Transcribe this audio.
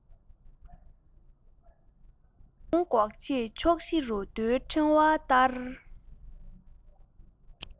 གྲང རླུང འགོག ཆེད ཕྱོགས བཞི རུ རྡོའི ཕྲེང བ བསྟར